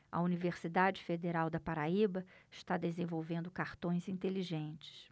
a universidade federal da paraíba está desenvolvendo cartões inteligentes